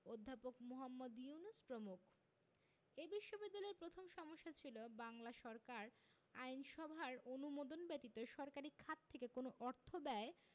অধ্যাপক মুহম্মদ ইউনুস প্রমুখ এ বিশ্ববিদ্যালয়ের প্রথম সমস্যা ছিল বাংলা সরকার আইনসভার অনুমোদন ব্যতীত সরকারি খাত থেকে কোন অর্থ ব্যয়